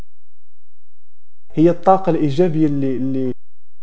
هي الطاقه الايجابيه